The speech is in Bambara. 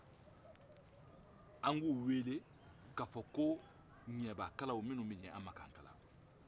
an k'u weele ka fɔ ko ɲɛbaa kalaw minnu bɛ ɲɛ an man k'a kala